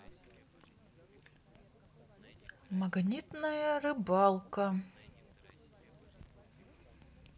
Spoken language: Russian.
магнитная рыбалка